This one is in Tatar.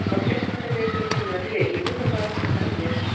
Арча шәһәрендә яшәүче Мария Ильинага 90 яшь.